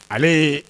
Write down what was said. Ale